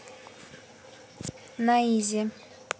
naizi